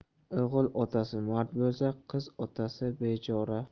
o'g'il otasi mard bo'lsa qiz otasi bechora